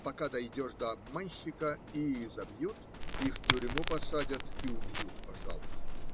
пока дойдешь до обманщика, и изобьют, и в тюрьму посадят, и убьют, пожалуй.